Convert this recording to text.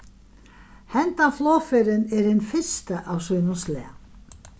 hendan flogferðin er hin fyrsta av sínum slag